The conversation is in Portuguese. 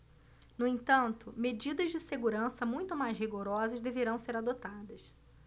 no entanto medidas de segurança muito mais rigorosas deverão ser adotadas